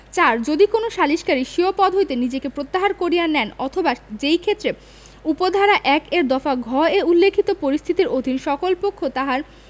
৪ যদি কোন সালিসকারী স্বীয় পদ হইতে নিজেকে প্রত্যাহার করিয়া নেন অথবা যেইক্ষেত্রে উপ ধারা ১ এর দফা ঘ এ উল্লেখিত পরিস্থিতির অধীন সকল পক্ষ তাহার